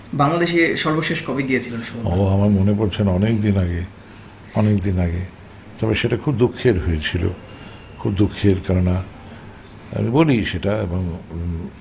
বাংলাদেশের সর্বশেষ কবে গিয়েছিলেন সুমন দা ও আমার মনে পরছে না অনেকদিন আগে অনেকদিন আগে তবে সেটা খুব দুঃখের হয়েছিল খুব দুঃখের কেননা আমি বলি সেটা এবং